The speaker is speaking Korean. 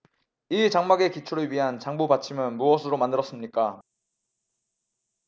일 장막의 기초를 위한 장부 받침은 무엇으로 만들었습니까